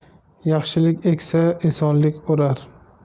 yaxshilik eksa esonlik o'rar